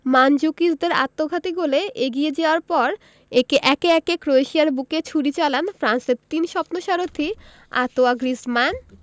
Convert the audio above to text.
মানজুকিচের আত্মঘাতী গোলে এগিয়ে যাওয়ার পর একে একে ক্রোয়েশিয়ার বুকে ছুরি চালান ফ্রান্সের তিন স্বপ্নসারথি আঁতোয়া গ্রিজমান